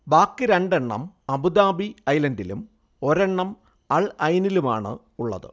ബാക്കി രണ്ടെണ്ണം അബുദാബി ഐലൻഡിലും ഒരെണ്ണം അൽ ഐനിലുമാണുള്ളത്